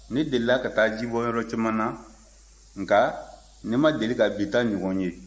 ne delila ka taa jibɔnyɔrɔ caman na nka ne ma deli ka bi ta ɲɔgɔn ye